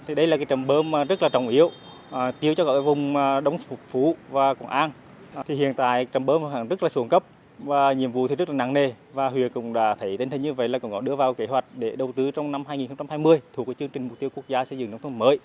thì đây là cái trạm bơm mà rất là trọng yếu tiêu cho cả các vùng mà đông phú và công an thì hiện tại trạm bơm hàng rất là xuống cấp và nhiệm vụ rất là nặng nề và huyện cũng đã thấy hình như vậy là cũng có đưa vào kế hoạch để đầu tư trong năm hai nghìn không trăm hai mươi thuộc của chương trình mục tiêu quốc gia xây dựng nông thôn mới